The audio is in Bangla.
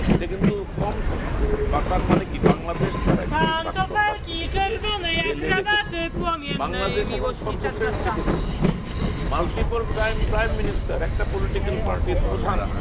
এটা কিন্তু কম কথা না বা তার মানে কি বাংলাদেশ তার একজন প্রাক্তন রাষ্ট্রপতি কে জেলে রেখেছে বাংলাদেশ এখন সর্বশেষ দেখেছে মাল্টিপল প্রাইম প্রাইম মিনিস্টার একটা পলিটিক্যাল পার্টির প্রধান